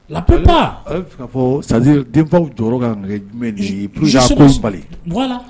Denbaww jɔyɔrɔ ka